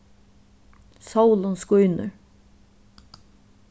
sólin skínur